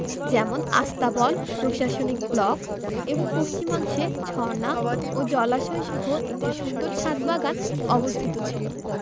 যেমন আস্তাবল প্রশাসনিক ব্লক এবং এর পশ্চিমাংশে ঝর্ণা ও জলাশয়সহ একটি সুন্দর ছাদ বাগান অবস্থিত ছিল